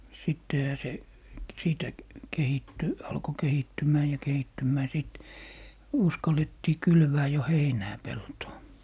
sittenhän se siitä kehittyi alkoi kehittymään ja kehittymään sitten uskallettiin kylvää jo heinää peltoon